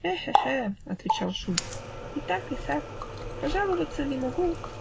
"Э-хе-хе, -- отвечал Шульц, -- и так и сяк. Пожаловаться не могу.